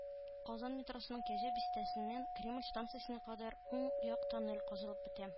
Казан метросының “Кәҗә бистәсе”ннән “Кремль” станциясенә кадәр уң як тоннель казылып бетә